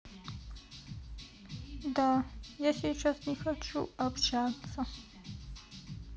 да я сейчас не хочу общаться